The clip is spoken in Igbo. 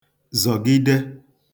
zọ̀gide